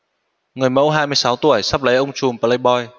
người mẫu hai mươi sáu tuổi sắp cưới ông trùm playboy